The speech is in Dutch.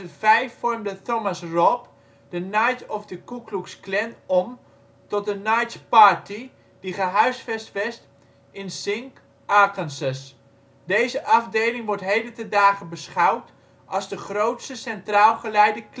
2005 vormde Thomas Robb de " Knights of the Ku Klux Klan " om tot de " Knights Party " die gehuisvest werd in Zinc, Arkansas. Deze afdeling wordt heden ten dage beschouwd als de grootste centraal geleide